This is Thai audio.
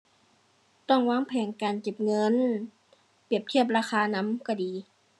ต้องวางแผนการเก็บเงิน เปรียบเทียบราคานำก็ดี